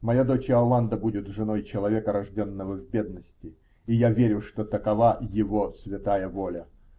Моя дочь Иоланда будет женой человека, рожденного в бедности, и я верю, что такова Его святая воля.